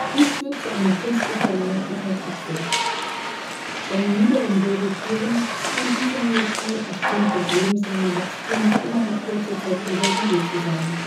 Dies führt zu einem künstlich verlängerten Augapfel. Bei niederen Wirbeltieren scheint diese Myopie aufgrund des lebenslangen Wachstums innerhalb kurzer Zeit reversibel zu sein